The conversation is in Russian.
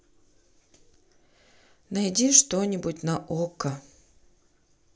найди что нибудь на окко